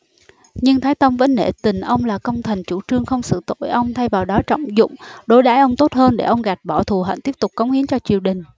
nhưng thái tông vẫn nể tình ông là công thần chủ trương không xử tội ông thay vào đó trọng dụng đối đãi ông tốt hơn để ông gạt bỏ thù hận tiếp tục cống hiến cho triều đình